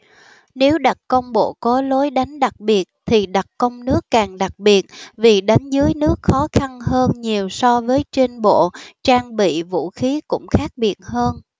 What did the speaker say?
nếu đặc công bộ có lối đánh đặc biệt thì đặc công nước càng đặc biệt vì đánh dưới nước khó khăn hơn nhiều so với trên bộ trang bị vũ khí cũng khác biệt hơn